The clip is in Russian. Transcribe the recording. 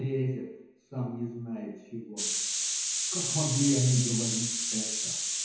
Лезет, сам не зная чего!" Как могли они говорить это?